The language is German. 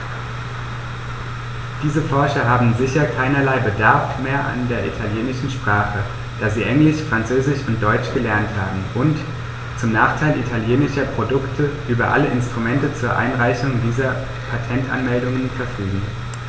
Diese Forscher haben sicher keinerlei Bedarf mehr an der italienischen Sprache, da sie Englisch, Französisch und Deutsch gelernt haben und, zum Nachteil italienischer Produkte, über alle Instrumente zur Einreichung dieser Patentanmeldungen verfügen.